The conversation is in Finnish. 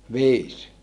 viisi